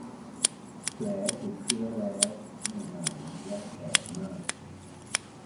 แผลติดเชื้อแล้วไม่หายและแสบมาก